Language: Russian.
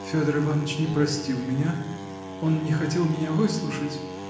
-- Федор Иваныч не простил меня; он не хотел меня выслушать.